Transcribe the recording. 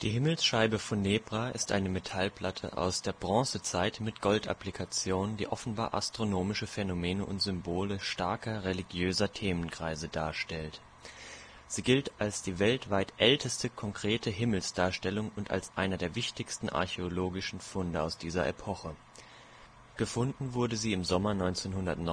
Himmelsscheibe von Nebra ist eine Metallplatte aus der Bronzezeit mit Goldapplikationen, die offenbar astronomische Phänomene und Symbole starker, religiöser Themenkreise darstellt. Sie gilt als die weltweit älteste konkrete Himmelsdarstellung und als einer der wichtigsten archäologischen Funde aus dieser Epoche. Gefunden wurde sie im Sommer 1999